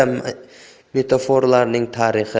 bir nechta metaforalarning tarixi